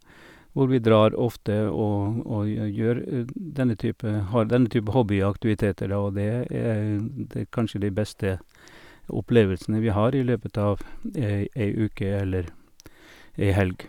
Hvor vi drar ofte og og jø gjør dn denne type har denne type hobbyaktiviteter, da, og det er det er kanskje de beste opplevelsene vi har i løpet av ei ei uke eller ei helg.